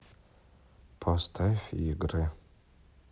поставь игры